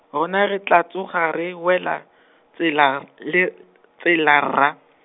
rona re tla tsoga re wela, tsela le , tsela rra.